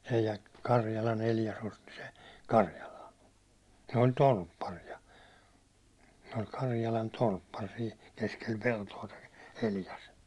- Karjalan Eljas osti se Karjalan ne oli torpparia se oli Karjalan torppari siinä keskellä peltoa tuo Eljas